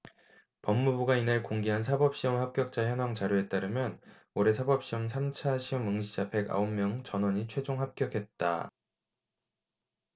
법무부가 이날 공개한 사법시험 합격자 현황 자료에 따르면 올해 사법시험 삼 차 시험 응시자 백 아홉 명 전원이 최종 합격했다